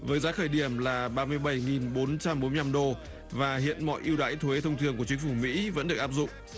với giá khởi điểm là ba mươi bảy nghìn bốn trăm bốn nhăm đô và hiện mọi ưu đãi thuế thông thường của chính phủ mỹ vẫn được áp dụng